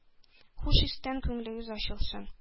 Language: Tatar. Хуш истән күңлегез ачылсын.